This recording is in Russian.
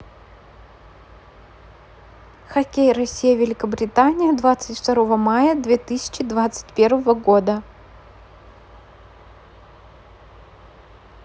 хоккей россия великобритания двадцать второго мая две тысячи двадцать первого года